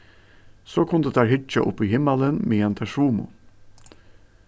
so kundu teir hyggja upp í himmalin meðan teir svumu